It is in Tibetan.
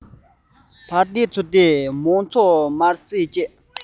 ཕར དེད ཚུར དེད མང ཚོགས དམར ཟས བཅད